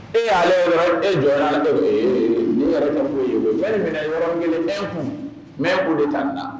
E y' e jɔ minɛ yɔrɔ kelen mɛ kun mɛ kun de taa la